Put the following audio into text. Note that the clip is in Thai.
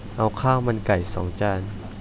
ขอข้าวมันไก่สองจาน